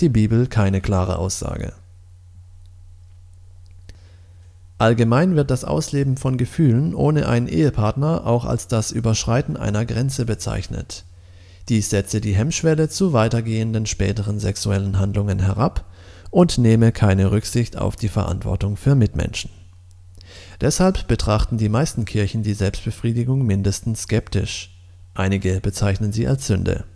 Bibel keine klare Aussage. Allgemein wird das Ausleben von Gefühlen ohne einen Ehepartner auch als das „ Überschreiten einer Grenze “bezeichnet, dies setze die Hemmschwelle zu weitergehenden späteren sexuellen Handlungen herab und nehme keine Rücksicht auf die Verantwortung für Mitmenschen. Deshalb betrachten die meisten Kirchen die Selbstbefriedigung mindestens skeptisch, einige bezeichnen sie als Sünde